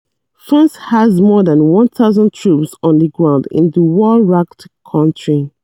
France has more than 1,000 troops on the ground in the war-wracked country.